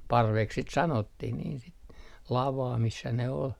parveksi sitten sanottiin niin sitten lavaa missä ne oli